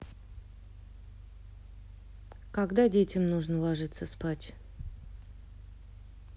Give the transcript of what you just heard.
когда детям нужно ложиться спать